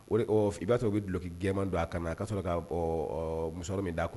O i b'a sɔrɔ u bɛ duloki gɛnman don a kan na i'a sɔrɔ ka musokɔrɔba min d'a kɔnɔ